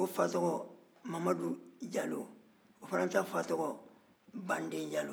o fa tɔgɔ mamadu jalo o fana ta fa tɔgɔ bande jalo